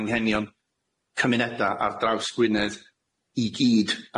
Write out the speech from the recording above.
anghenion cymuneda ar draws Gwynedd i gyd,